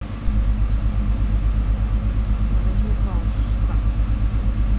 ну возьми паузу сукан